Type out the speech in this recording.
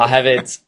a hefyd